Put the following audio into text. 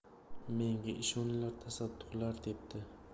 menga ishoninglar tasadduqlar debdi